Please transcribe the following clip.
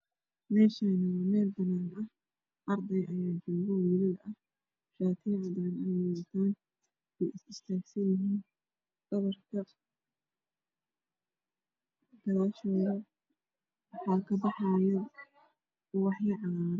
Meeshaan waa meel banaan ah arday ayaa joogo oo wiilal ah shaatiyo cadaan ah ayay wataan. Wayna taagan yihiin gadaashooda waxaa kabaxaayo ubaxyo cagaaran.